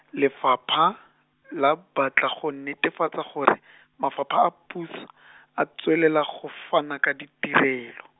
Lefapha, le batla go netefatsa gore , mafapha a puso , a tswelela go fana ka ditirelo.